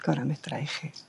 Gora' medra i chi.